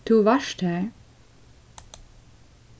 tú vart har